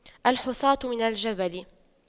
الحصاة من الجبل